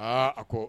Aa a ko